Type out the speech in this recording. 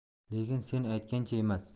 lekin sen aytgancha emas